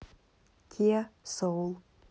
киа соул